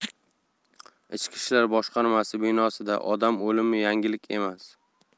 ichki ishlar boshqarmasi binosida odam o'limi yangilik emas